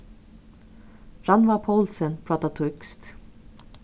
rannvá poulsen prátar týskt